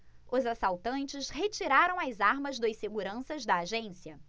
os assaltantes retiraram as armas dos seguranças da agência